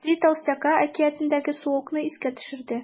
“три толстяка” әкиятендәге суокны искә төшерде.